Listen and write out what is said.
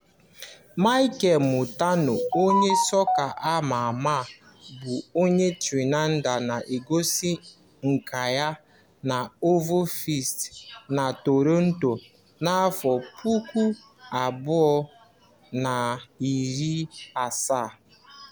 Michel Montano onye sọka a ma-ama bụ onye Trinidad na-egosi nka ya na OVO Fest na Toronto na 2016. FOTO: The Come Up Show (CC BY-ND 2.0)